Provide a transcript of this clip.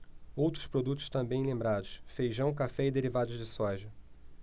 outros produtos também lembrados feijão café e derivados de soja